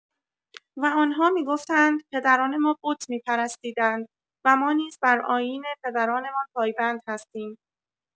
و آنها می‌گفتند پدران ما بت می‌پرستیدند و ما نیز بر آیین پدرانمان پایبند هستیم.